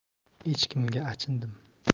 echkimga achindim